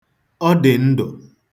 Ọ dị ndụ.